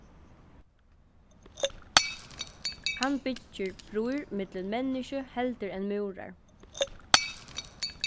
hann byggir brýr millum menniskju heldur enn múrar